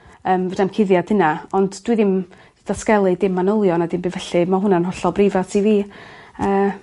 Yym fedrai'm cuddiad hyna ond dwi ddim ddatgelu dim manylion na dim byd felly ma' hwnna'n hollol breifat i fi. Yy.